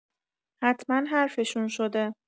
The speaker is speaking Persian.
حتما حرفشون شده.